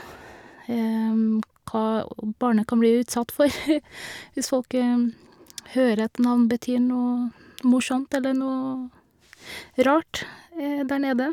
Hva o barnet kan bli utsatt for hvis folk hører at navn betyr noe morsomt eller noe rart der nede.